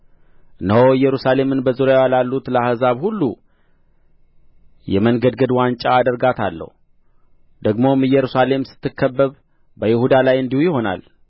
እነሆ ኢየሩሳሌምን በዙሪያዋ ላሉት ለአሕዛብ ሁሉ የመንገድገድ ዋንጫ አደርጋታለሁ ደግሞም ኢየሩሳሌም ስትከበብ በይሁዳ ላይ እንዲሁ ይሆናል